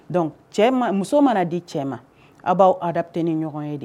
Donc muso mana di cɛ ma, aw b'aw adapté ni ɲɔgɔn ye de